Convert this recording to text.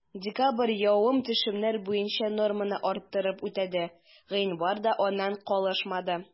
Декабрь явым-төшемнәр буенча норманы арттырып үтәде, гыйнвар да аннан калышмады.